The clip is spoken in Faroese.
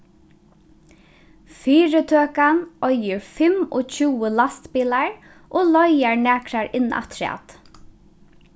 fyritøkan eigur fimmogtjúgu lastbilar og leigar nakrar inn afturat